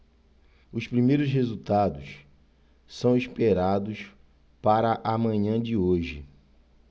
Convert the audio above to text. os primeiros resultados são esperados para a manhã de hoje